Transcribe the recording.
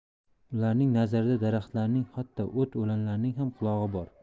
ularning nazarida daraxtlarning hatto o't o'lanlarning ham qulog'i bor